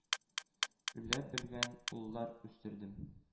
Үлә белгән уллар үстердем.